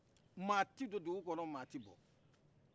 mɔgɔ ti don dugu kɔnɔ mɔgɔ ti bɔ